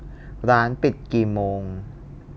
ร้านปิดกี่โมง